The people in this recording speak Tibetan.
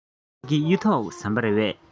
ཕ གི གཡུ ཐོག ཟམ པ རེད པས